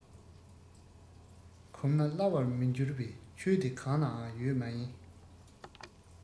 གོམས ན སླ བར མི འགྱུར བའི ཆོས དེ གང ནའང ཡོད མ ཡིན